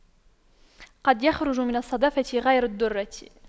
قد يخرج من الصدفة غير الدُّرَّة